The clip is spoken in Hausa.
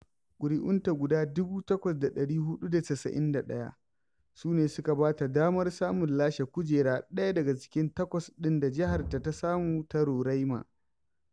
ƙuri'unta guda 8,491 su ne suka ba ta damar samun lashe kujera ɗaya daga cikin takwas ɗin da jiharta ta samu ta Roraima.